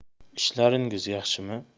ishlaringiz yaxshimi